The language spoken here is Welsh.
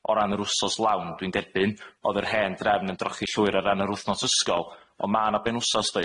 o ran yr wsos lawn. Dwi'n derbyn o'dd yr hen drefn yn drochi llwyr o ran yr wthnos ysgol. On' ma' 'na benwsos does?